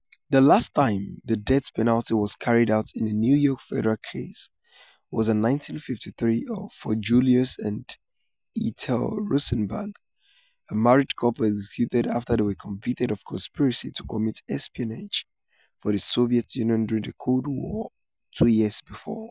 The last time the death penalty was carried out in a New York federal case was in 1953 for Julius and Ethel Rosenberg, a married couple executed after they were convicted of conspiracy to commit espionage for the Soviet Union during the Cold War two years before.